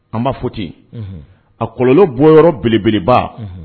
An b'a fɔ ten, unhun, a kɔlɔlɔ bɔ yɔrɔ belebeleba, unhun.